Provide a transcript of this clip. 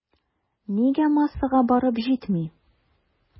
Нигә массага барып җитми?